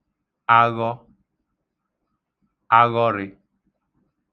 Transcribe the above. aghọ(rị)